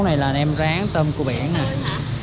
cái món này là nem ráng tôm cua biển